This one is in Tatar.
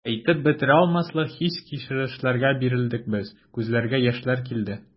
Әйтеп бетерә алмаслык хис-кичерешләргә бирелдек без, күзләргә яшьләр килде.